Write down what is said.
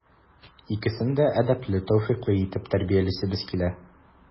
Икесен дә әдәпле, тәүфыйклы итеп тәрбиялисебез килә.